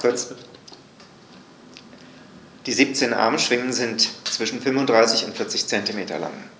Die 17 Armschwingen sind zwischen 35 und 40 cm lang.